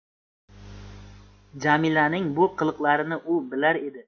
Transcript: jamilaning bu qiliqlarini u bilar edi